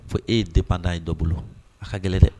Fɔ e ye de banda ye dɔ bolo a ka gɛlɛn dɛ